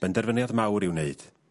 ...benderfyniad mawr i'w wneud.